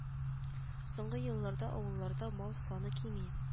Соңгы елларда авылларда мал саны кими